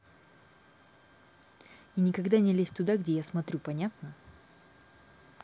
и никогда не лезь туда где я смотрю понятно